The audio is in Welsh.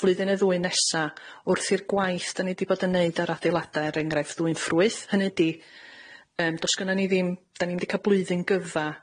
flwyddyn ne ddwy nesa wrth i'r gwaith 'dan ni di bod yn neud ar yr adeilada er enghraifft ddwyn ffrwyth, hynny ydi yym do's gynnon ni ddim... 'Dan ni'm di ca'l blwyddyn gyfa